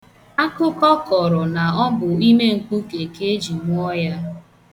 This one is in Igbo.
Akụkọ kọrọ na ọ bụ ime mkpuke ka e ji mụọ ya.